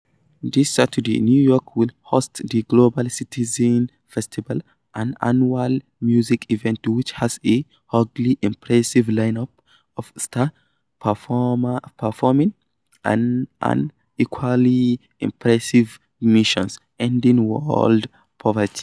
This Saturday New York will host the Global Citizen Festival, an annual music event which has a hugely impressive line-up of stars performing and an equally impressive mission; ending world poverty.